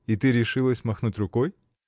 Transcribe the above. — И ты решилась махнуть рукой?